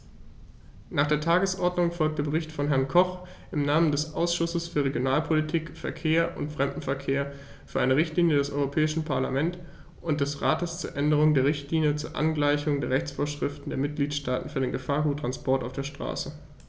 Nach der Tagesordnung folgt der Bericht von Herrn Koch im Namen des Ausschusses für Regionalpolitik, Verkehr und Fremdenverkehr für eine Richtlinie des Europäischen Parlament und des Rates zur Änderung der Richtlinie zur Angleichung der Rechtsvorschriften der Mitgliedstaaten für den Gefahrguttransport auf der Straße.